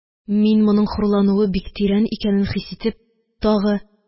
Мин, моның хурлануы бик тирән икәнен хис итеп, тагы: